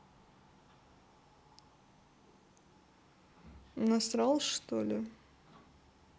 насрал что ли